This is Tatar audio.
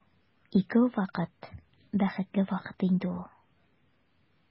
Икәү вакыт бәхетле вакыт инде ул.